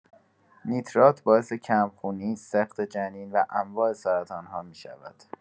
نیترات باعث کم‌خونی، سقط‌جنین و انواع سرطان‌ها می‌شود!